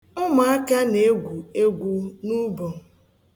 Ụmụaka na-egwu egwu n'ubom.